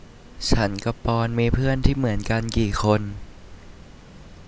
ฉันกับปอนด์มีเพื่อนที่เหมือนกันกี่คน